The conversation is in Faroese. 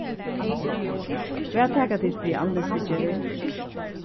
hvat taka tit fyri andlitsviðgerðir